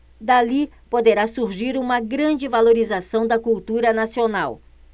dali poderá surgir uma grande valorização da cultura nacional